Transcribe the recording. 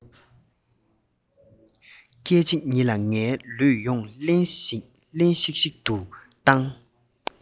སྐད ཅིག ཉིད ལ ངའི ལུས ཡོངས བརླན ཤིག ཤིག ཏུ བཏང